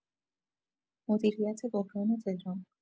مدیریت بحران تهران